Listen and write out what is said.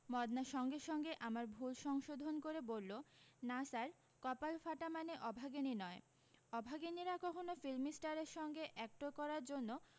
মদনা সঙ্গে সঙ্গে আমার ভুল সংশোধন করে বললো না স্যার কপাল ফাটা মানে অভাগিনী নয় অভাগিনীরা কখনো ফিল্মিস্টারের সঙ্গে অ্যাকটো করার জন্য